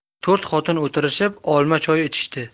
to'rt xotin o'tirishib olma choy ichishdi